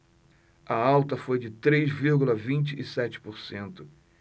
a alta foi de três vírgula vinte e sete por cento